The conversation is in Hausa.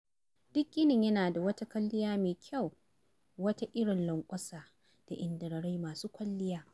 Duk ginin yana da wata kwalliya mai kyau - wata irin lanƙwasa da indararai masu kwalliya.